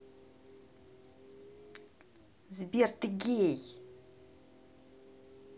сбер ты гей